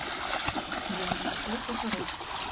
я не настолько хорош